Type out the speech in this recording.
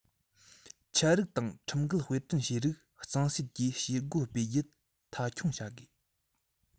འཆལ རིགས དང ཁྲིམས འགལ དཔེ སྐྲུན བྱས རིགས གཙང སེལ གྱི བྱེད སྒོ སྤེལ རྒྱུ མཐའ འཁྱོངས བྱ དགོས